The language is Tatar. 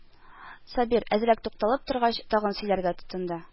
Сабир, әзрәк тукталып торгач, тагын сөйләргә тотынды: